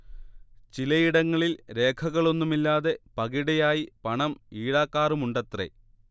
ചിലയിടങ്ങളിൽ രേഖകളൊന്നുമില്ലാതെ 'പകിട'യായി പണം ഈടാക്കാറുമുണ്ടത്രെ